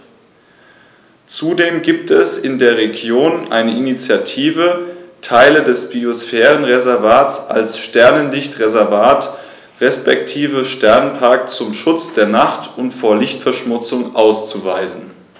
Zudem gibt es in der Region eine Initiative, Teile des Biosphärenreservats als Sternenlicht-Reservat respektive Sternenpark zum Schutz der Nacht und vor Lichtverschmutzung auszuweisen.